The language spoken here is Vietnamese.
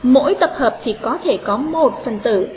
mỗi tập hợp thì có thể có phần tử